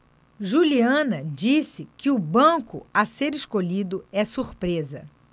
juliana disse que o banco a ser escolhido é surpresa